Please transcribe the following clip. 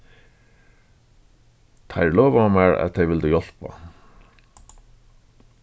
teir lovaðu mær at tey vildu hjálpa